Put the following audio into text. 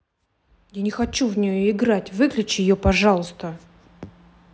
я не хочу в нее играть выключи ее пожалуйста